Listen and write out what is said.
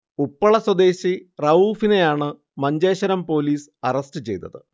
ഉപ്പള സ്വദേശി റഊഫിനെയാണ് Manjeshwaram police arrest ചെയ്തത്